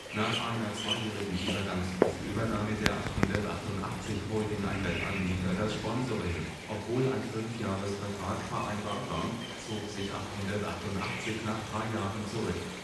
Nach einer zweijährigen Übergangsfrist übernahm mit der 888 Holding ein Wettanbieter das Sponsoring. Obwohl ein 5-Jahresvertrag vereinbart war, zog sich 888 nach drei Jahren zurück